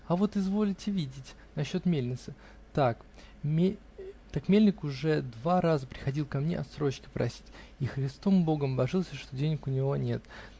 -- А вот изволите видеть: насчет мельницы, так, мельник уже два раза приходил ко мне отсрочки просить и Христом-богом божился, что денег у него нет.